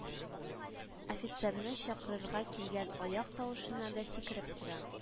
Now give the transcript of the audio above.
Офицерны чакырырга килгән аяк тавышына да сикереп тора